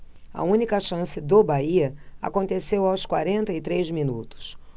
a única chance do bahia aconteceu aos quarenta e três minutos